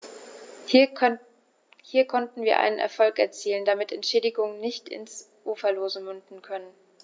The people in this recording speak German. Hier konnten wir einen Erfolg erzielen, damit Entschädigungen nicht ins Uferlose münden können.